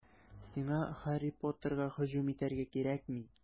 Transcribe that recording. Сиңа Һарри Поттерга һөҗүм итәргә кирәкми.